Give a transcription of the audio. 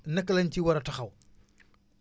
naka lañ ci war a taxaw